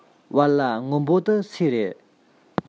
བལ ལྭ སྔོན པོ འདི སུའི རེད